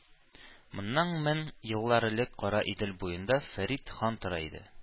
Моннан мең еллар элек Кара Идел буенда Фәрит хан тора иде.